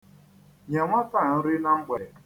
Nye nwata a nri na mgbede.